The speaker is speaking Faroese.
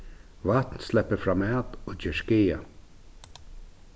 vatn sleppur framat og ger skaða